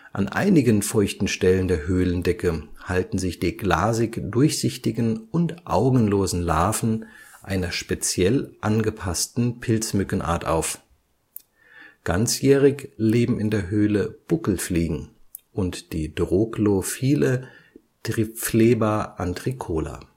An einigen feuchten Stellen der Höhlendecke halten sich die glasig-durchsichtigen und augenlosen Larven einer speziell angepassten Pilzmückenart auf. Ganzjährig leben in der Höhle Buckelfliegen (Phoridae) und die troglophile Triphleba antricola